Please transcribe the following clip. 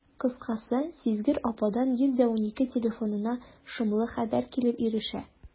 Кыскасы, сизгер ападан «112» телефонына шомлы хәбәр килеп ирешә.